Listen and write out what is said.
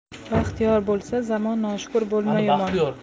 baxtiyor bo'lsa zamon noshukur bo'lma yomon